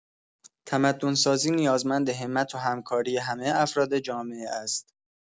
تمدن‌سازی نیازمند همت و همکاری همه افراد جامعه است.